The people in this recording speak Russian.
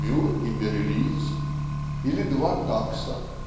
Мюр и Мерилиз, или два такса